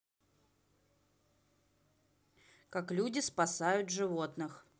как люди спасают диких животных